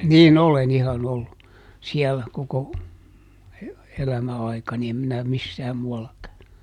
niin olen ihan ollut siellä koko elämä aikani en minä missään muualla -